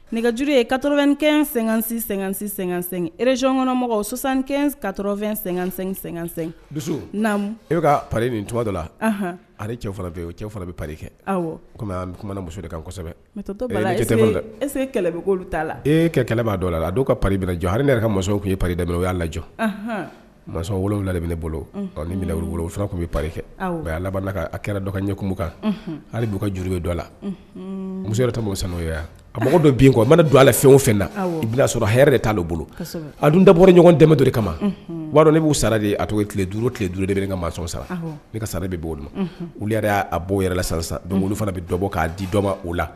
Nɛgɛjuru ye katokɛ sen- sensɛ erezyɔn kɔnɔ mɔgɔw sisansan kafɛnsɛsɛ dusu e bɛ ka nin tu dɔ la ale bɛkɛ muso de kan la e dɔ la don kajɔ hali yɛrɛ ka mansa tun ye pa dɛ o y'a laj mansawula ne bolo ni tun bɛ pa kɛ a laban kɛra dɔ ka ɲɛkunkan hali b'u ka juru bɛ dɔ la muso yɛrɛ o sa a mɔgɔ dɔ bin kɔ a mana don ala la fɛn o fɛn na i'a sɔrɔ hɛrɛɛrɛ de t' bolo a dun dabɔ ɲɔgɔn dɛ dɔ de kama wa b'u sara de a to duuru tile du duuru de bɛ ka mansa sara ne ka sara bɛ'o y'a bɔ yɛrɛla fana bɛ dɔbɔ k'a di dɔba o la